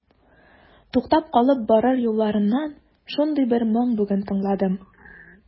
Туктап калып барыр юлларымнан шундый бер моң бүген тыңладым.